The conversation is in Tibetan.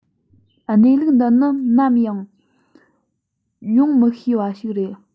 གནས ལུགས འདི ནི ནམ ཡང ཡོང མི ཤེས པ ཞིག རེད